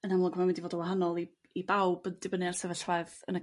yn amlwg ma' mynd i fod y' wahanol i i bawb yn dibynnu a'r sefyllfeydd yn y